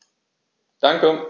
Danke.